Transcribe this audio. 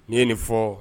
I ye nin fɔ